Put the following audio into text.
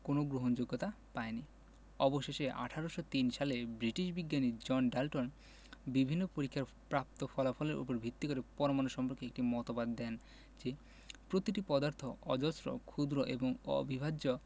কোনো গ্রহণযোগ্যতা পায়নি অবশেষে ১৮০৩ সালে ব্রিটিশ বিজ্ঞানী জন ডাল্টন বিভিন্ন পরীক্ষায় প্রাপ্ত ফলাফলের উপর ভিত্তি করে পরমাণু সম্পর্কে একটি মতবাদ দেন যে প্রতিটি পদার্থ অজস্র ক্ষুদ্র এবং অবিভাজ্য